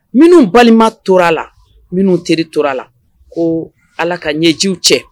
Minnu balima tora a la minnu teri tora a la ko ala ka ɲɛjuw cɛ